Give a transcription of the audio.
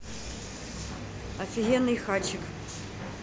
офигенный хачик